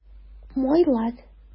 Майлар